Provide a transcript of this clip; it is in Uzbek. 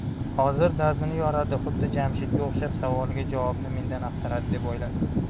hozir dardini yoradi xuddi jamshidga o'xshab savoliga javobni mendan axtaradi deb o'yladi